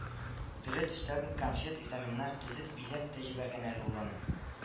Төрле төстәге конфет-витаминнар тезеп бизәп тә җибәргән әле ул аны